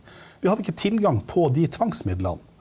vi hadde ikke tilgang på de tvangsmidlene.